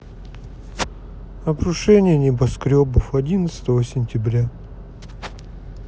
обрушение небоскребов одиннадцатого сентября